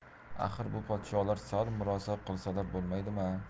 axir bu podsholar sal murosa qilsalar bo'lmaydimi a